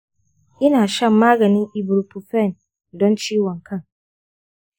ina shan maganin ibupurofen don ciwon kan.